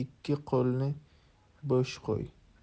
ikki qo'lini bo'sh qo'y